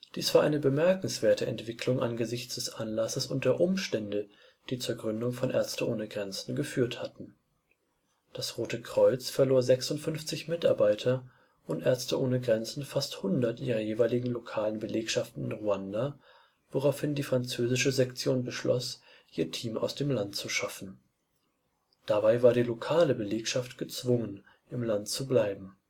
Dies war eine bemerkenswerte Entwicklung angesichts des Anlasses und der Umstände, die zur Gründung von MSF geführt hatten. Das Rote Kreuz verlor 56 Mitarbeiter, und Ärzte ohne Grenzen fast hundert ihrer jeweiligen lokalen Belegschaften in Ruanda, woraufhin die französische Sektion beschloss, ihr Team aus dem Land zu schaffen. Dabei war die lokale Belegschaft gezwungen, im Land zu bleiben